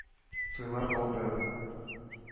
Туйлар калды